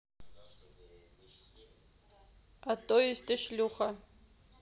а то есть ты шлюха